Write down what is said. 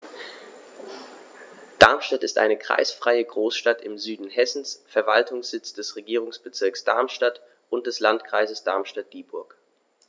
Darmstadt ist eine kreisfreie Großstadt im Süden Hessens, Verwaltungssitz des Regierungsbezirks Darmstadt und des Landkreises Darmstadt-Dieburg.